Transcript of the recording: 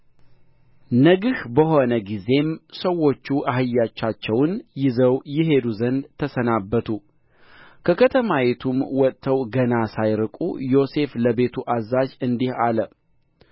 ነግህ በሆነ ጊዜም ሰዎቹ አህዮቻቸውን ይዘው ይሄዱ ዘንድ ተሰናበቱ ከከተማይቱም ወጥተው ገና ሳይርቁ ዮሴፍ ለቤቱ አዛዥ እንዲህ አለ